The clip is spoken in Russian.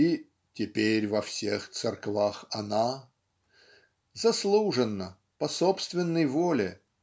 и "теперь во всех церквах Она" заслуженно по собственной воле